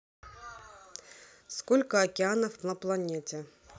сколько океанов на планете